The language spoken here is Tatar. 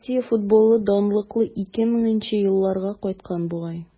Россия футболы данлыклы 2000 нче елларга кайткан бугай.